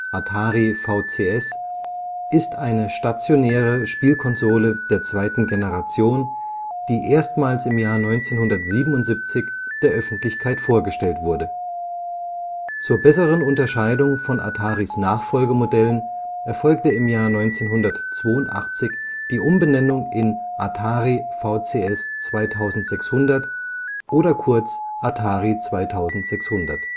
Atari VCS) ist eine stationäre Spielkonsole der zweiten Generation, die erstmals 1977 der Öffentlichkeit vorgestellt wurde. Zur besseren Unterscheidung von Ataris Nachfolgemodellen erfolgte 1982 die Umbenennung in Atari VCS 2600 oder kurz Atari 2600